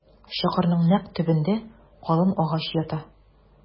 Чокырның нәкъ төбендә калын агач ята.